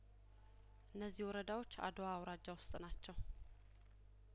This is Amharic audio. እነዚህ ወረዳዎች አድዋ አውራጃ ውስጥ ናቸው